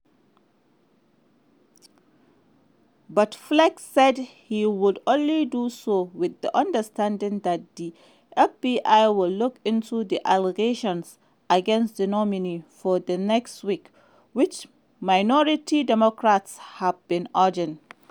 But Flake said he would only do so with the understanding that the FBI would look into the allegations against the nominee for the next week, which minority Democrats have been urging.